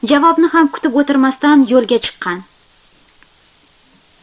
javobni ham kutib o'tirmasdan yo'lga chiqqan